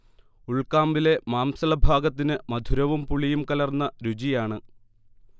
ഉൾക്കാമ്പിലെ മാംസളഭാഗത്തിന് മധുരവും പുളിയും കലർന്ന രുചിയാണ്